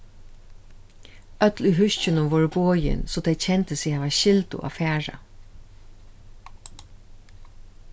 øll í húskinum vóru boðin so tey kendu seg hava skyldu at fara